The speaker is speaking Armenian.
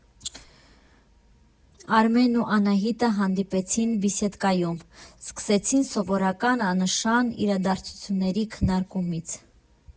Արմենն ու Անահիտը հանդիպեցին «Բիսեդկայում», սկսեցին սովորական, աննշան իրադարձությունների քննարկումից։